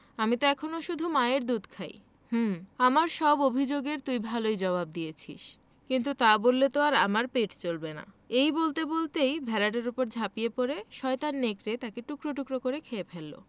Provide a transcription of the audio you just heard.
আমি ত এখনো শুধু মার দুধ খাই হুম আমার সব অভিযোগএর তুই ভালই জবাব দিয়ে দিয়েছিস কিন্তু তা বললে তো আর আমার পেট চলবে না এই বলতে বলতেই ভেড়াটার উপর ঝাঁপিয়ে পড়ে শয়তান নেকড়ে তাকে টুকরো টুকরো করে খেয়ে ফেলল